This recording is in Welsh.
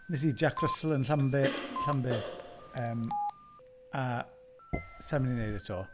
Wnes i Jack Russell yn Llambe- Llambed. Yym a sa i'n mynd i wneud e eto.